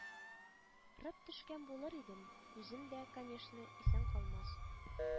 Рып төшкән булыр идем, үзем дә, конечно, исән калмас